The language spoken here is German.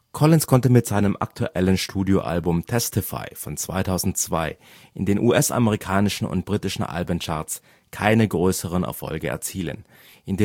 Collins konnte mit seinem aktuellen Studioalbum Testify (2002) in den US-amerikanischen und britischen Alben-Charts keine größeren Erfolge erzielen, in